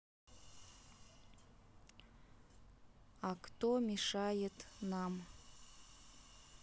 а кто мешает нам